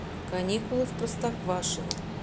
каникулы в простоквашино